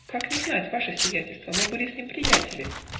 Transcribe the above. -- Как не знать, ваше сиятельство мы были с ним приятели